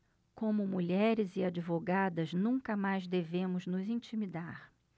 como mulheres e advogadas nunca mais devemos nos intimidar